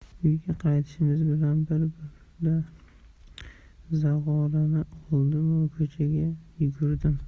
uyga qaytishimiz bilan bir burda zog'orani oldimu ko'chaga yugurdim